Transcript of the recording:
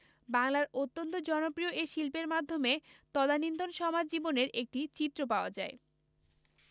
বাংলার অত্যন্ত জনপ্রিয় এ শিল্পের মাধ্যমে তদানীন্তন সমাজ জীবনের একটি চিত্র পাওয়া যায়